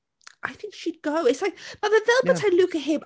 I think she'd go. It's like, ma' fe fel... Ie. ...petai Luca heb...